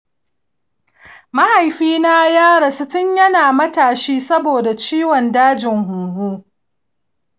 mahaifina ya rasu tun ya na matashi saboda ciwon dajin huhu